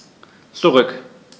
Zurück.